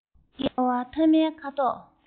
བསྐལ བ མཐའ མའི ཁ དོག